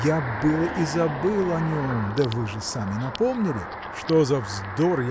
Я было и забыл о нем, да вы же сами напомнили. – Что за вздор?